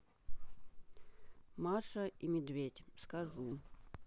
маша и медведь скажу